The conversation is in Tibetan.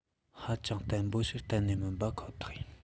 ཧ ཅང བརྟན པོ ཞིག གཏན ནས མིན པ ཁོ ཐག ཡིན